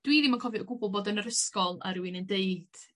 dw i ddim yn cofio o gwbwl bod yn yr ysgol a rywun yn deud